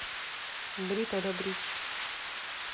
брит аля бридж